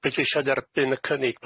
peidwysion erbyn y cynnig.